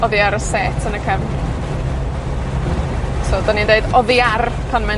Oddi ar y set yn y cefn. So 'dan ni'n deud oddi ar pan mae'n